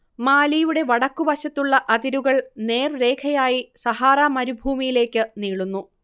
മാലിയുടെ വടക്കുവശത്തുള്ള അതിരുകൾ നേർരേഖയായി സഹാറാ മരുഭൂമിയിലേക്ക് നീളുന്നു